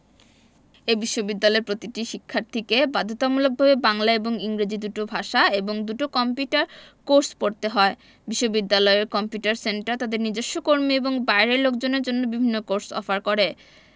এ বিশ্ববিদ্যালয়ে প্রতিটি শিক্ষার্থীকে বাধ্যতামূলকভাবে বাংলা এবং ইংরেজি দুটো ভাষা এবং দুটো কম্পিউটার কোর্স পড়তে হয় বিশ্ববিদ্যালয়ের কম্পিউটার সেন্টার তাদের নিজস্ব কর্মী এবং বাইরের লোকজনের জন্য বিভিন্ন কোর্স অফার করে